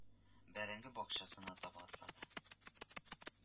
Бәрәңге бакчасына таба атлады